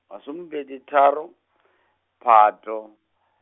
masomepedi tharo , Phato.